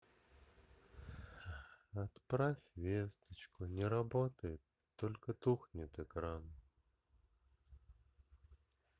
отправь весточку не работает только тухнет экран